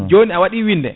joni a waɗi winnde